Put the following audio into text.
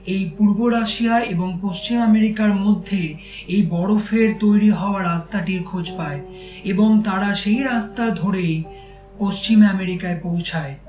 এ পূর্ব রাশিয়া এবং পশ্চিম এমেরিকার মধ্যে এই বরফের তৈরি হওয়া রাস্তাটির খোঁজ পায় এবং তারা সেই রাস্তা ধরেই পশ্চিম এমেরিকায় পৌঁছায়